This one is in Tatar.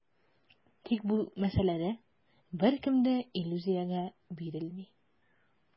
Тик бу мәсьәләдә беркем дә иллюзиягә бирелми.